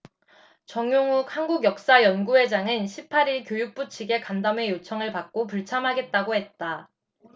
정용욱 한국역사연구회장은 십 팔 일 교육부 측의 간담회 요청을 받고 불참하겠다고 했다